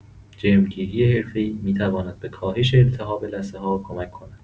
جرم‌گیری حرفه‌ای می‌تواند به کاهش التهاب لثه‌ها کمک کند.